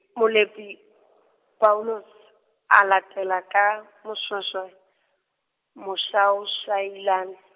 Mopeli Paulus, a latela ka Moshoeshoe, Moshoashoailane.